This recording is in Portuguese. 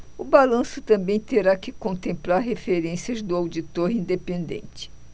o balanço também terá que contemplar referências do auditor independente